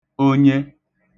onye